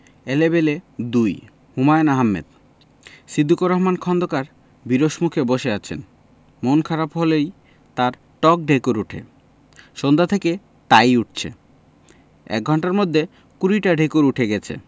এলেবেলে ২ হুমায়ূন আহমেদ সিদ্দিকুর রহমান খন্দকার বিরস মুখে বসে আছেন মন খারাপ হলেই তাঁর টক ঢেকুর ওঠে সন্ধ্যা থেকে তাই উঠছে এক ঘণ্টার মধ্যে কুড়িটা ঢেকুর ওঠে গেছে